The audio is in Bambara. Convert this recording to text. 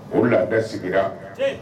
O laada sigira